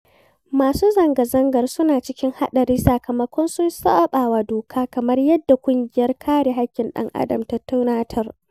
Masu zanga-zangar su na cikin haɗari sakamakon sun saɓawa doka, kamar yadda ƙungiyar Kare Haƙƙin ɗan adam ta tunatar.